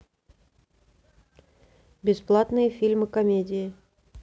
бесплатные фильмы комедии